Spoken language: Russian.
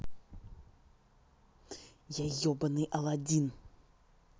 я ебаный аладдин